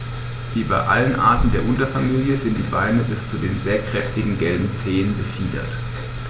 Wie bei allen Arten der Unterfamilie sind die Beine bis zu den sehr kräftigen gelben Zehen befiedert.